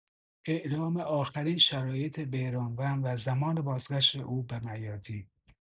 اعلام آخرین شرایط بیرانوند و زمان بازگشت او به میادین